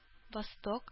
Восток